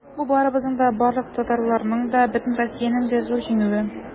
Бу барыбызның да, барлык татарстанлыларның да, бөтен Россиянең дә зур җиңүе.